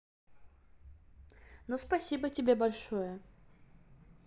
ну спасибо тебе большое